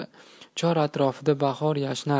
chor atrofda bahor yashnar